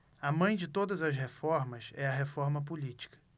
a mãe de todas as reformas é a reforma política